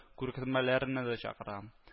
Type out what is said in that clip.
Күргәзмәләренә дә чакыра